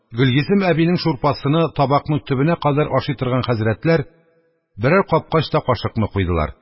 Гөлйөзем әбинең шурпасыны табакның төбенә кадәр ашый торган хәзрәтләр берәр капкач та кашыкны куйдылар.